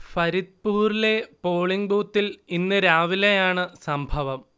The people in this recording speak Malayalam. ഫരിദ്പുറിലെ പോളിങ് ബൂത്തിൽ ഇന്ന് രാവിലെയാണ് സംഭവം